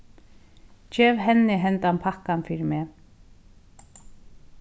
gev henni henda pakkan fyri meg